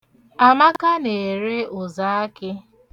Amaka na-ere ụzaakị.